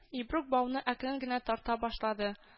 Ибрук бауны әкрен генә тарта башлады